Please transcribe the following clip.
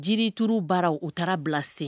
Jiri turu baara u taara bila sen